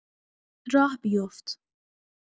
راه بیفت.